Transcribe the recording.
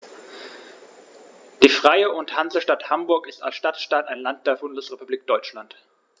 Die Freie und Hansestadt Hamburg ist als Stadtstaat ein Land der Bundesrepublik Deutschland.